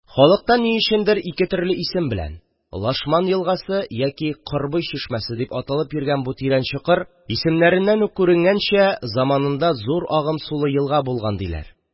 Халыкта ни өчендер ике төрле исем белән – «Лашман елгасы» яки «Корбый чишмәсе» дип аталып йөргән бу тирән чокыр, исемнәреннән үк күренгәнчә, заманында зур агым сулы елга булган диләр.